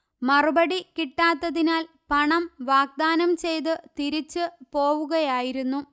മറുപടി കിട്ടാത്തതിനാൽ പണം വാഗ്ദാനം ചെയ്ത് തിരിച്ചു പോവുകയായിരുന്നു